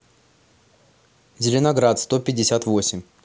зеленоград сто пятьдесят восемь